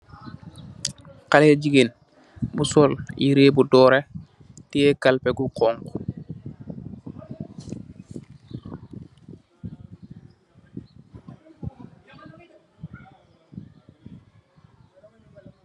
Xalèh gigeen bu sol yirèh bu dórèh, teyeh kalpèh bu xonxu.